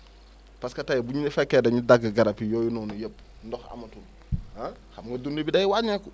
parce que tey bu ñu fekkee dañu dagg garab yi yooyu noonu yëpp ndox amatul ah xam nga dund bi day wàññeeku